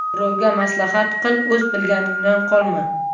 birovga maslahat qil o'z bilganingdan qolma